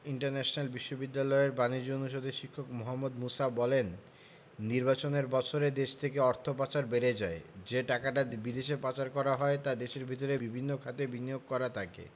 international বিশ্ববিদ্যালয়ের বাণিজ্য অনুষদের শিক্ষক মোহাম্মদ মুসা বলেন নির্বাচনের বছরে দেশ থেকে অর্থ পাচার বেড়ে যায় যে টাকাটা বিদেশে পাচার করা হয় তা দেশের ভেতরে বিভিন্ন খাতে বিনিয়োগ করা থাকে